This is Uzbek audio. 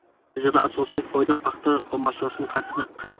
natijada asosiy foyda paxta xomashyosini